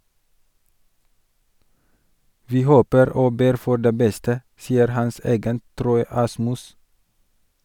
- Vi håper og ber for det beste, sier hans agent Troy Asmus.